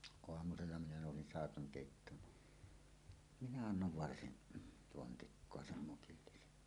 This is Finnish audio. aamusella minä nousin saikan keittoon niin minä annoin varsin pontikkaa sen mukillisen